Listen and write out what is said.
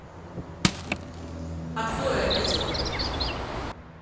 открой обидел